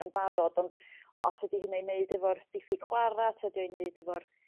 yn barod ond os ydi hynny i 'neud efo'r diffyg chwara' tydi o i 'neud efo'r